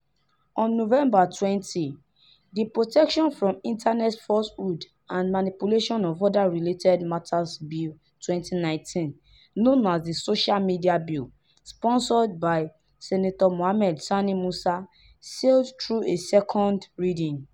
On November 20, the Protection from Internet Falsehoods and Manipulation of other Related Matters Bill 2019, known as the "social media bill", sponsored by Senator Mohammed Sani Musa, sailed through a second reading.